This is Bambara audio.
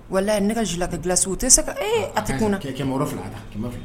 Wala ne ka sula ka dilansiw tɛ se ka a tɛ